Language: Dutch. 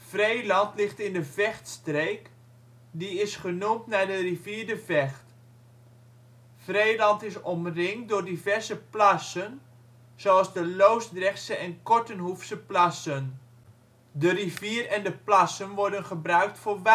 Vreeland ligt in de Vechtstreek, die is genoemd naar de rivier de Vecht. Vreeland is omringd door diverse plassen, zoals de Loosdrechtse en de Kortenhoefse Plassen. De rivier en de plassen worden gebruikt voor waterrecreatie